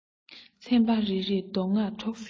ཚན པ རེ རེས མདོ སྔགས གྲོགས སུ འཁྱེར